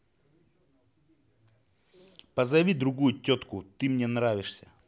позови другую тетку ты мне нравишься